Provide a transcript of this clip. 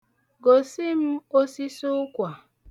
Gosi m osisi ụkwa.